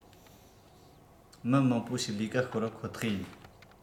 མི མང པོ ཞིག ལས ཀ ཤོར བ ཁོ ཐག ཡིན